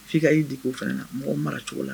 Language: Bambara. F'i ka y'i deko fana na mɔgɔ mara cogo la